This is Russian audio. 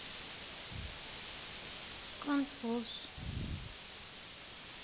конфуз